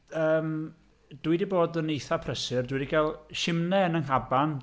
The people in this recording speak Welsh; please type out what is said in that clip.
Yym dwi 'di bod yn eitha prysur. Dwi 'di gael simnai yn fy nghaban.